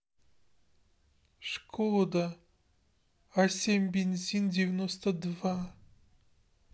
шкода а семь бензин девяносто два